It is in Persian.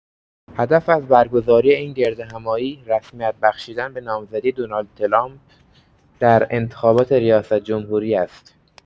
هدف از برگزاری این گردهمایی، رسمیت بخشیدن به نامزدی دونالد ترامپ در انتخابات ریاست‌جمهوری است.